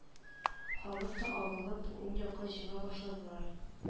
Халык та, агылып, уң якка җыела башладылар